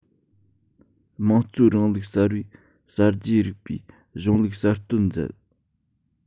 དམངས གཙོའི རིང ལུགས གསར པའི གསར བརྗེའི རིགས པའི གཞུང ལུགས གསར གཏོད མཛད